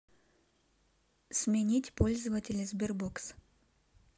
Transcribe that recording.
сменить пользователя sberbox